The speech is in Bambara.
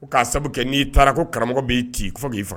O k'a sabu n'i taara ko karamɔgɔ b'i ci k fo k'i faga